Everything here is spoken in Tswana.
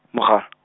mogal- .